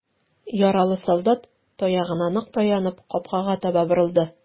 Яралы солдат, таягына нык таянып, капкага таба борылды.